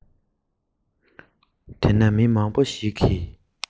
དེ ན མི མང པོ ཞིག གིས